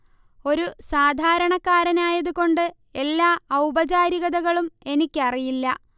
ഒരു സാധാരണക്കാരനായത് കൊണ്ട് എല്ലാ ഔപചാരികതകളും എനിക്കറിയില്ല